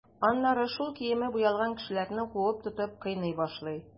Аннары шул киеме буялган кешеләрне куып тотып, кыйный башлый.